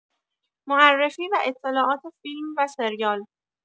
معرفی و اطلاعات فیلم و سریال